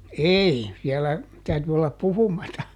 ei siellä täytyi olla puhumatta